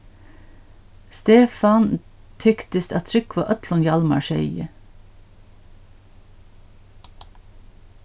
stefan tyktist at trúgva øllum hjalmar segði